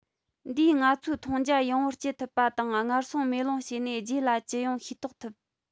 འདིས ང ཚོའི མཐོང རྒྱ ཡངས པོར བསྐྱེད ཐུབ པ དང སྔར སོང མེ ལོང བྱས ནས རྗེས ལ ཇི ཡོང ཤེས རྟོགས ཐུབ